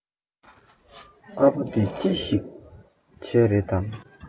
ཨ ཕོ འདི ཅི ཞིག བྱས རེད དམ